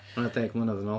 Oedd hwnna deg mlynedd yn ôl.